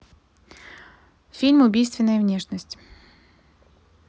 фильм убийственная внешность